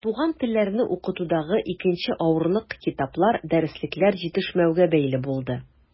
Туган телләрне укытудагы икенче авырлык китаплар, дәреслекләр җитешмәүгә бәйле булды.